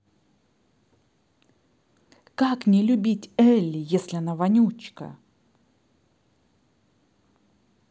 а как не любить elli если она вонючка